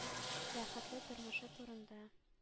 “бәхетле тормышы” турында